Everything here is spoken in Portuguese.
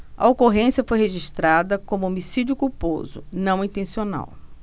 a ocorrência foi registrada como homicídio culposo não intencional